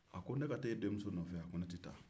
a ko ne ka taa e denmuso nɔfɛ wa ko ne tɛ taa